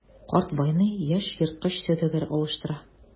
Карт байны яшь ерткыч сәүдәгәр алыштыра.